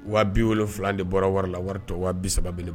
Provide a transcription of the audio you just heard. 70.000 de bɔra wɔri la wɔri tɔ 30.000 be ne b